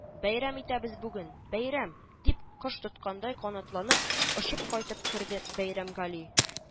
Бәйрәм итәбез бүген, бәйрәм, -дип, кош тоткандай канатланып, очып кайтып керде бәйрәмгали